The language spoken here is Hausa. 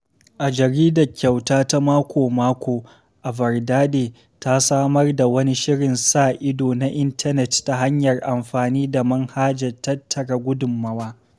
Jaridar kyauta ta mako-mako, A Verdade, ta samar da wani shirin sa-ido na intanet ta hanyar amfani da manhajar tattara gudunmawa.